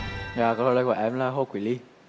dạ câu trả lời của em là hồ quý ly